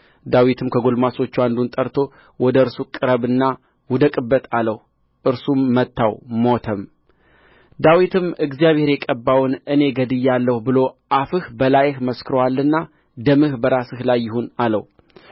ዳዊትም ከጕልማሶቹ አንዱን ጠርቶ ወደ እርሱ ቅረብና ውደቅበት አለው እርሱም መታው ሞተም ዳዊትም እግዚአብሔር የቀባውን እኔ ገድያለሁ ብሎ አፍህ በላይህ መስክሮአልና ደምህ በራስህ ላይ ይሁን አለው